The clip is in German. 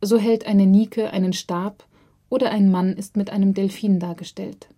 so hält eine Nike einen Stab oder ein Mann ist mit einem Delphin dargestellt